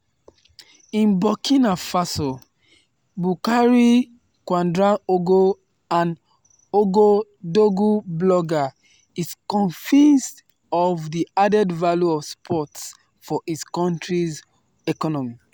In Burkina Faso, Boukari Ouédraogo, an Ouagadougou blogger, is convinced of the added value of sports for his country's economy.